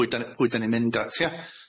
pwy dyn- pwy dyn ni'n mynd at ia?